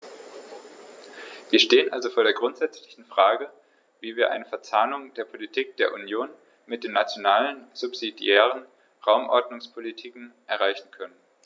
Wir stehen also vor der grundsätzlichen Frage, wie wir eine Verzahnung der Politik der Union mit den nationalen subsidiären Raumordnungspolitiken erreichen können.